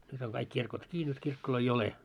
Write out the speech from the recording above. nyt on kaikki kirkot kiinni nyt kirkkoja ole